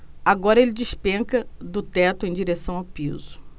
agora ele despenca do teto em direção ao piso